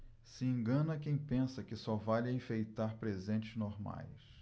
se engana quem pensa que só vale enfeitar presentes normais